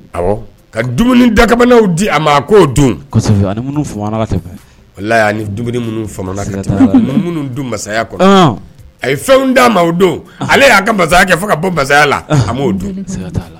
Ka dumuni dakaw di a ma k koo don o la'a minnu masaya a ye fɛn d'a ma o don ale y'a ka masaya kɛ fo ka bɔ masaya la dun